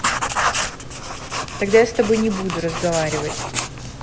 тогда я с тобой не буду разговаривать